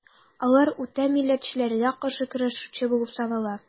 Алар үтә милләтчеләргә каршы көрәшүче булып санала.